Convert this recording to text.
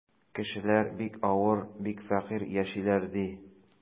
Кешеләр бик авыр, бик фәкыйрь яшиләр, ди.